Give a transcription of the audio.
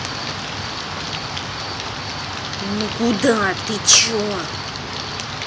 ну куда ты чо